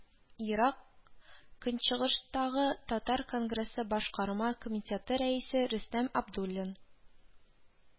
Ерак Көнчыгыштагы татар конгрессы башкарма комитеты рәисе Рөстәм Абдуллин